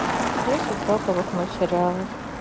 десять топовых мультсериалов